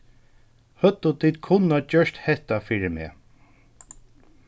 høvdu tit kunnað gjørt hetta fyri meg